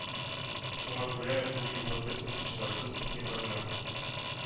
Шуңа күрә бу юлы без укучыларыбыз игътибарына